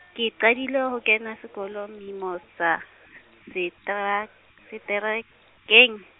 ke qadile ho kena sekolo Mimosa, setera-, seterekeng.